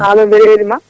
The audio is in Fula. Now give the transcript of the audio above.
alo mbiɗa heeɗima